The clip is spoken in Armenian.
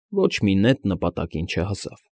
Ոչ մի նետ նպատակին չհասավ։